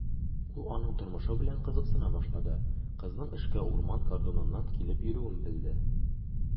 Ул аның тормышы белән кызыксына башлады, кызның эшкә урман кордоныннан килеп йөрүен белде.